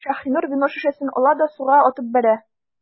Шаһинур вино шешәсен ала да суга атып бәрә.